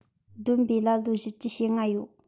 བསྡོམས པས ལ ལོ བཞི བཅུ ཞེ ལྔ ཡོད